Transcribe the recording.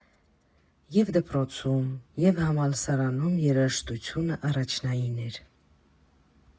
Ե՛վ դպրոցում, և՛ համալսարանում երաժշտությունը առաջնային էր։